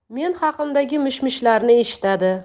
men haqimdagi mish mishlarni eshitadi